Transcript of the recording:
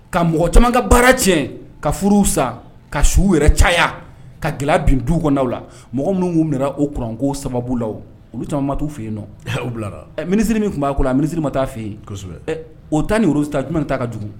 Ka mɔgɔ caman ka baara tiɲɛ ka furuw sa ka suw yɛrɛ caya ka gɛlɛya bin duw kɔɔnaw la mɔgɔ minnu tun minɛra o courant ko sababu la o olu caman ma t'u fe yennɔ u bilara ɛ ministre min tun b'a ko la a ministre ma taa a fe ye kosɛbɛ ɛ o ta ni Rose ta jumɛn de ta ka jugu